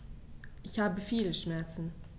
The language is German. Ich habe viele Schmerzen.